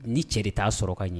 Ni cɛ de t' sɔrɔ ka ɲɛ